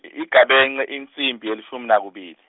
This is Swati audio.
i- Igabence insimbi, yelishumi nakubili.